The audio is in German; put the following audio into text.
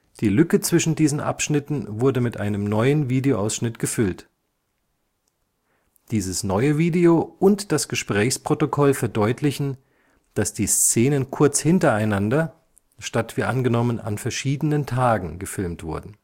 Die Lücke zwischen diesen Abschnitten wurde mit einem neuen Videoausschnitt gefüllt. Dieses neue Video und das Gesprächsprotokoll verdeutlichen, dass die Szenen kurz hintereinander, statt wie angenommen an verschiedenen Tagen gefilmt wurden